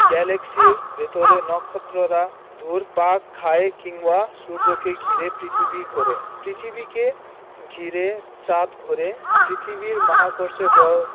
গ্যালাক্সির ভেতরে নক্ষত্ররা ঘুরপাক খায় কিংবা সূর্যকে ঘিরে পৃথিবী ঘোরে পৃথিবীকে ঘিরে চাঁদ ঘোরে পৃথিবীর মহাকর্ষ বল